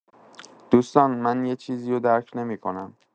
دوستان من یه چیزیو درک نمی‌کنم.